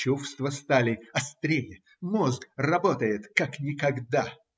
Чувства стали острее, мозг работает, как никогда.